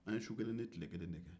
an ye su kelen ni tile kelen de kɛ